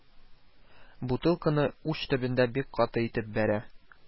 Бутылканы уч төбенә бик каты итеп бәрә